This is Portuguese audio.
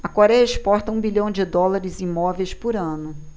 a coréia exporta um bilhão de dólares em móveis por ano